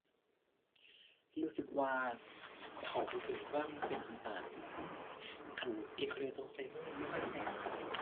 รู้สึกว่าเข้าบ่ถึงความเป็นอีสาน คันกินข้าวเหนียวต้องใช้มือน่ะมันค่อยแซ่บ